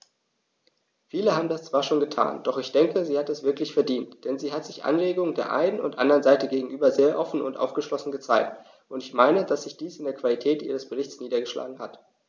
Viele haben das zwar schon getan, doch ich denke, sie hat es wirklich verdient, denn sie hat sich Anregungen der einen und anderen Seite gegenüber sehr offen und aufgeschlossen gezeigt, und ich meine, dass sich dies in der Qualität ihres Berichts niedergeschlagen hat.